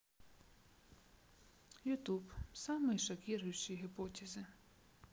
ютуб самые шокирующие гипотезы